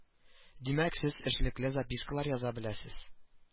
Димәк сез эшлекле запискалар яза беләсез